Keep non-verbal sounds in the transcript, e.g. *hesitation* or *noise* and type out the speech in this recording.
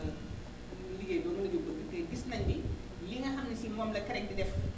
*hesitation* liggéey bu ñu mën a dugg gis nañ ni li nga xam ne si moom la CREC di def